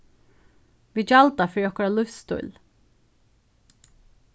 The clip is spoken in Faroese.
vit gjalda fyri okkara lívsstíl